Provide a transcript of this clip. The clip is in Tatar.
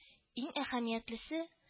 Иң әһәмиятлесе: